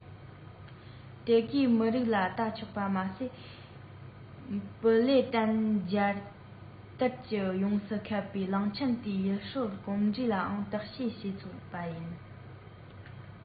དེ གའི མི རིགས ལ ལྟ ཆོག པ མ ཟད པུ ལེ ཏེན རྒྱལ དར གྱིས ཡོངས སུ ཁེབས པའི གླིང ཕྲན དེའི ཡུལ སྲོལ གོམས འདྲིས ལའང བརྟག དཔྱད བྱས ཆོག པ ཡིན